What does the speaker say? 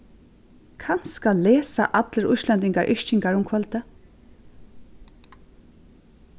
kanska lesa allir íslendingar yrkingar um kvøldið